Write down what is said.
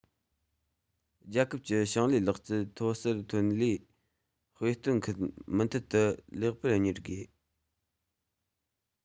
རྒྱལ ཁབ ཀྱི ཞིང ལས ལག རྩལ མཐོ གསར ཐོན ལས དཔེ སྟོན ཁུལ མུ མཐུད དུ ལེགས པར གཉེར དགོས